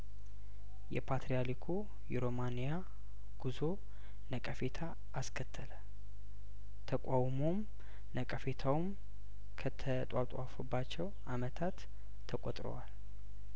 የፓትር ያልኩ የሮማን ያጉዞ ነቀፌታ አስከተለተቃውሞውም ነቀፌታውም ከተጧጧፉባቸው አመታት ተቆጥረዋል